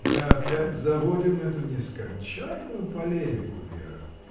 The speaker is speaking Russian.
— Мы опять заводим эту нескончаемую полемику, Вера!